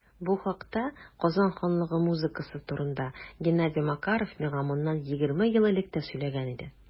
Бу хакта - Казан ханлыгы музыкасы турында - Геннадий Макаров миңа моннан 20 ел элек тә сөйләгән иде.